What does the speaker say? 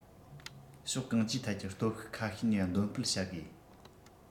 ཕྱོགས གང ཅིའི ཐད ཀྱི སྟོབས ཤུགས ཁ ཤས ནུས པ འདོན སྤེལ བྱ དགོས